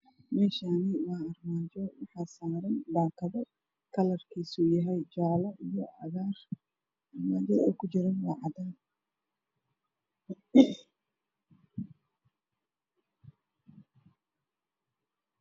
Meeshaan waa armaajo waxaa saaran baakado kalarkiisu uu yahay jaalo iyo cagaar. Armaajaduna waa cadaan.